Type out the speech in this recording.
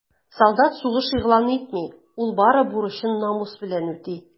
Солдат сугыш игълан итми, ул бары бурычын намус белән үти.